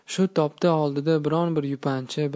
shu topda oldida biron bir yupanchi